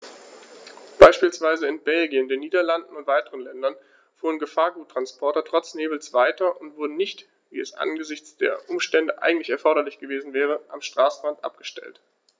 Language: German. Beispielsweise in Belgien, den Niederlanden und weiteren Ländern fuhren Gefahrguttransporter trotz Nebels weiter und wurden nicht, wie es angesichts der Umstände eigentlich erforderlich gewesen wäre, am Straßenrand abgestellt.